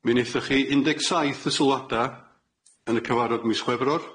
Mi neithoch chi un deg saith y sylwada yn y cyfarod mis Chwefror.